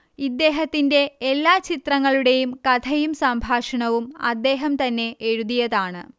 ഇദ്ദേഹത്തിന്റെ എല്ലാ ചിത്രങ്ങളുടെയും കഥയും സംഭാഷണവും അദ്ദേഹം തന്നെ എഴുതിയതാണ്